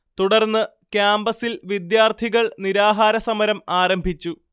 തുടർന്ന് കാമ്പസ്സിൽ വിദ്യാർത്ഥികൾ നിരാഹാരസമരം ആരംഭിച്ചു